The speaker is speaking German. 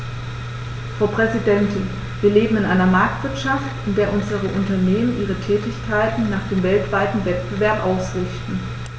Frau Präsidentin, wir leben in einer Marktwirtschaft, in der unsere Unternehmen ihre Tätigkeiten nach dem weltweiten Wettbewerb ausrichten.